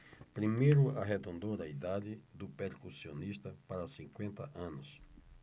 primeiro arredondou a idade do percussionista para cinquenta anos